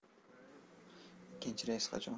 ikkinchi reys qachon